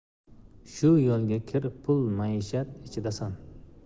shu yo'lga kir pul maishat ichidasan